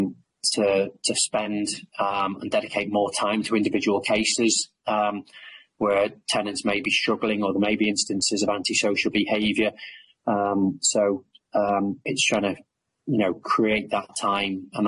um to to spend um and dedicate more time to individual cases um where tenants may be struggling or there may be instances of antisocial behaviour um so um it's trying to you know create that time and